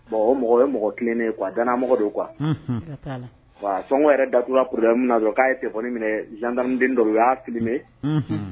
Bon o mɔgɔ ye mɔgɔ kelennen k a daana mɔgɔ de don kuwa sɔngɔ yɛrɛ daugu pur na don k'a ye minɛ zantanden dɔ o y'a filimɛ